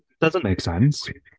Doesn't make sense.